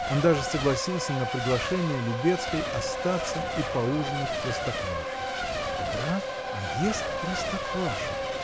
Он даже согласился на приглашение Любецкой остаться и поужинать простокваши. Граф, а ест простоквашу!